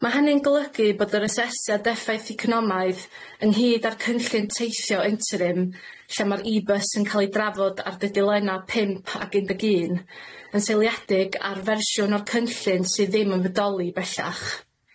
Ma' hynny'n golygu bod yr Asesiad Effaith Economaidd ynghyd â'r cynllun teithio interim, lle ma'r ee bus yn ca'l ei drafod ar dudalenna' pump ac un deg un, yn seiliedig ar fersiwn o'r cynllun sydd ddim yn fodoli bellach.